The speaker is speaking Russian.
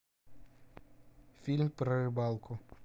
фильмы про рыбалку